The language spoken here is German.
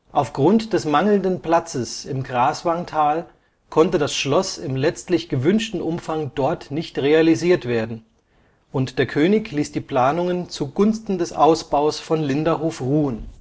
Aufgrund des mangelnden Platzes im Graswangtal konnte das Schloss im letztlich gewünschten Umfang dort nicht realisiert werden und der König ließ die Planungen zugunsten des Ausbaus von Linderhof ruhen